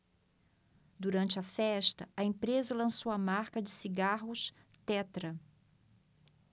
durante a festa a empresa lançou a marca de cigarros tetra